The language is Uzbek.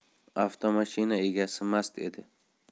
avtomashina egasi mast edi